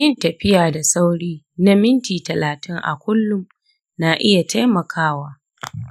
yin tafiya da sauri na minti talatin a kullum na iya taimakawa.